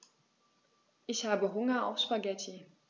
Ich habe Hunger auf Spaghetti.